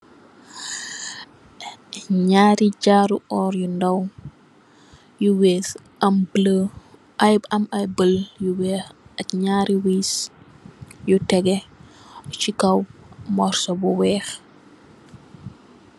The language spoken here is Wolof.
Ñaari jaru oór yu ndaw yu wiis am ay bal yu wèèx ak ñaari wiis yu tegeh ci kaw morso bu wèèx.